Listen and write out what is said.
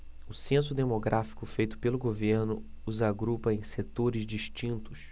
o censo demográfico feito pelo governo os agrupa em setores distintos